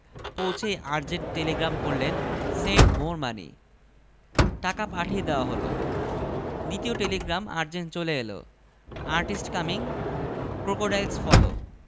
এবং তিন packet star cigarette খেয়ে বিশাল এক কুমীর এঁকে ফেলল সিদ্দিক সাহেব হতভম্ব হয়ে বললেন লাল রঙের কুমীর